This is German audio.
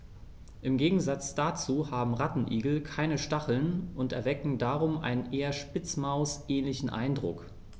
Im Gegensatz dazu haben Rattenigel keine Stacheln und erwecken darum einen eher Spitzmaus-ähnlichen Eindruck.